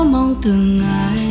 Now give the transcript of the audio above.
mong từng